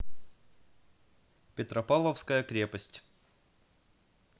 петропавловская крепость